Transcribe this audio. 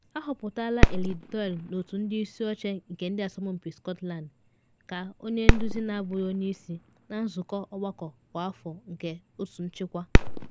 Ahọpụtala Eilidh Doyle n’otu ndị isi oche nke Ndị Asọmpi Scotland ka onye nduzi na abụghị onye isi na nzụkọ ọgbakọ kwa afọ nke otu nchịkwa.